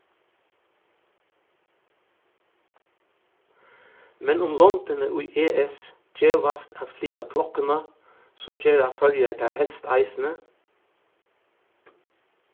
men um londini í es gevast at flyta klokkuna so gera føroyar tað helst eisini